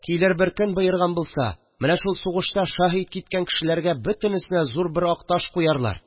Килер бер көн, боерган булса, менә шул сугышта шәһит киткән кешеләргә бөтенесенә зур бер ак таш куярлар